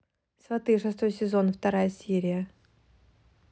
сваты шестой сезон вторая серия